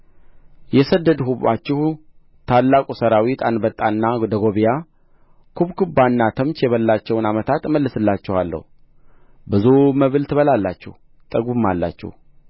የሰደድሁባችሁ ታላቁ ሠራዊቴ አንበጣና ደጎብያ ኩብኩባና ተምች የበላቸውን ዓመታት እመልስላችኋለሁ ብዙ መብል ትበላላችሁ ትጠግቡማላችሁ